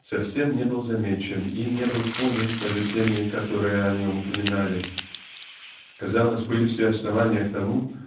совсем не был замечен и не был понят даже теми которые о нем упоминали. Казалось были все основания к тому